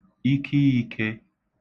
ikiīkē